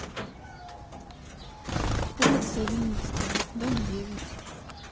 улица винницкая дом девять